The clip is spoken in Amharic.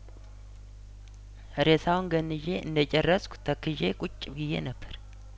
ሬሳውን ገንዤ እንደጨረስኩ ተክዤ ቁጭ ብዬ ነበር